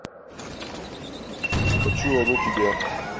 хочу одну тебя